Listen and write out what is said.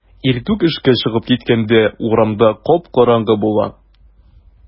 Иртүк эшкә чыгып киткәндә урамда кап-караңгы була.